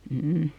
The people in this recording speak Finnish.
mm